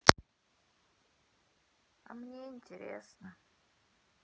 а мне интересно